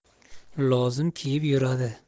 lozim kiyib yuradi